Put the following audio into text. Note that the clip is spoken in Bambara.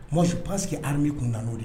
Ma pa que harmu kun na' de